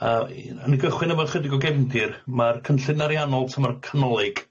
Yyy i- 'ni gychwyn efo chydig o gefndir ma'r cynllun ariannol tymor canolig